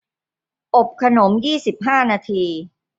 อบขนมยี่สิบห้านาที